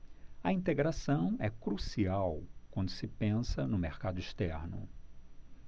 a integração é crucial quando se pensa no mercado externo